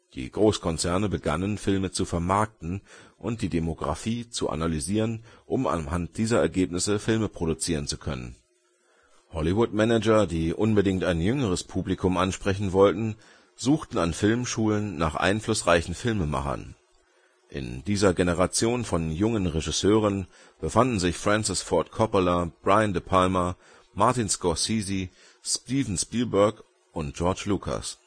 Die Großkonzerne begannen, Filme zu vermarkten und die Demographie zu analysieren, um anhand dieser Ergebnisse Filme produzieren zu können. Hollywood-Manager, die unbedingt ein jüngeres Publikum ansprechen wollten, suchten an Filmschulen nach einflussreichen Filmemachern. In dieser Generation von jungen Regisseuren befanden sich Francis Ford Coppola, Brian De Palma, Martin Scorsese, Steven Spielberg und George Lucas